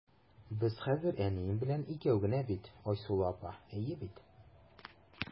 Без хәзер әнием белән икәү генә бит, Айсылу апа, әйе бит?